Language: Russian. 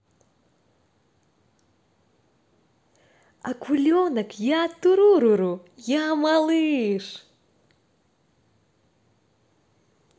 акуленок я туруру я малыш